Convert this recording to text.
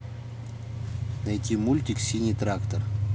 найти мультик синий трактор